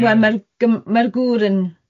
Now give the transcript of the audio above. Wel ma'r gym-... Ma'r gŵr yn